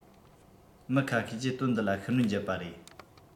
མི ཁ ཤས ཀྱིས དོན འདི ལ ཤུགས སྣོན བརྒྱབ པ རེད